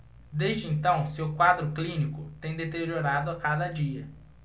desde então seu quadro clínico tem deteriorado a cada dia